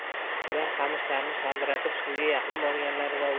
ular qamishlarni shaldiratib suvga yaqin borganlarida